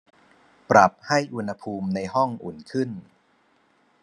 ปรับให้อุณหภูมิในห้องอุ่นขึ้น